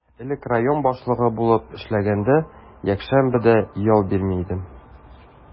Элек район башлыгы булып эшләгәндә, якшәмбе дә ял бирми идем.